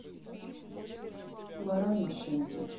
баран машинки